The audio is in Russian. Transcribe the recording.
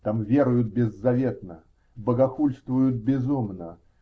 Там веруют беззаветно, богохульствуют безумно